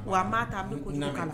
Wa a maa taa n bɛ kojugu k'a la